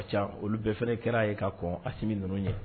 Kac olu bɛɛ fɛrɛɛrɛ kɛra ye ka kɔ a simi n ninnu ye